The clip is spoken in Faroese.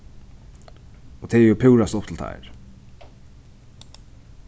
og tað er jú púrasta upp til teir